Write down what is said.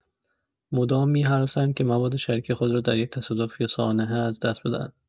مدام می‌هراسند که مبادا شریک خود را در یک تصادف یا سانحه از دست بدهند.